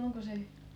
onko se